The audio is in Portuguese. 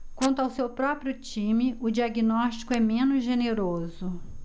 quanto ao seu próprio time o diagnóstico é menos generoso